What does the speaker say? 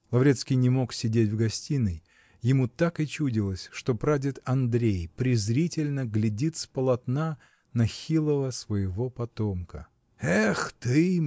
Лаврецкий не мог сидеть в гостиной: ему так и чудилось, что прадед Андрей презрительно глядит с полотна на хилого своего потомка. "Эх ты!